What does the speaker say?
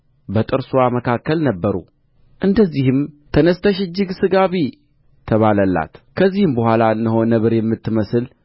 በጥርስዋ መካከል ነበሩ እንደዚህም ተነሥተሽ እጅግ ሥጋ ብዪ ተባለላት ከዚህም በኋላ እነሆ ነብር የምትመስል